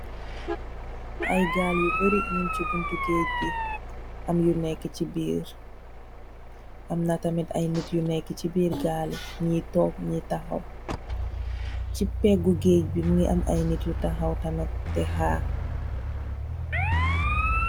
Aye gal you barri noung ci bontou gech we am uou neh ci birr am nah tammit nou neh ci birr gall wi nyi tok nyi tahaw ci peggou gech we amnah nit you tahaw di harr